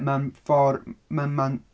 Mae'n ffordd... mae ma'n...